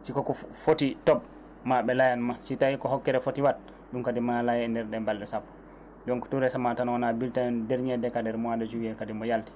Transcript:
si ko ko foti toob ma ɓe layanma si tawi ko hokkere foti waad ɗum kadi ma laaye e nder ɗen balɗe sappo donc tout récement tan wona bulletin dernier DECADER mois de juillet kadi mo yalti